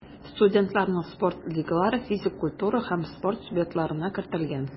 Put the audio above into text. Студентларның спорт лигалары физик культура һәм спорт субъектларына кертелгән.